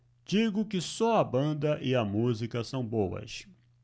digo só que a banda e a música são boas